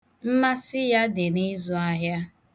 Mmasị ya di n'ịzụ ahịa.